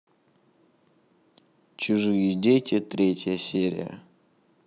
чужие дети третья серия